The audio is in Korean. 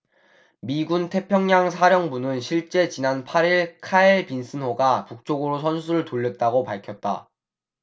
미군 태평양 사령부는 실제 지난 팔 일 칼 빈슨호가 북쪽으로 선수를 돌렸다고 밝혔다